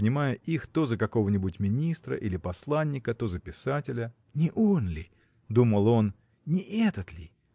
принимая их то за какого-нибудь министра или посланника то за писателя Не он ли? – думал он, – не этот ли?